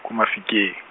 ko Mafikeng.